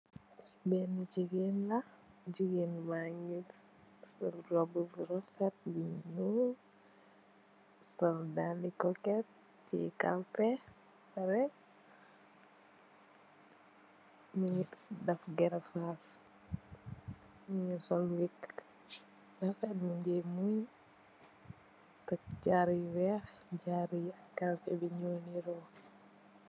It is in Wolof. Beenë jigéen la, jigéen baa ngi sol roobu bu rafet bu ñuul. Sol daal i kooket, tiye kalpe. Mu ngi def gerefaas, mu ngee mu ngi sol wiik bu rafet, my ngee muuñge. Jaaru weex, kape bi ñuul.